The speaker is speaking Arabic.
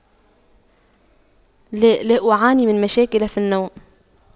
لا لا أعاني من مشاكل في النوم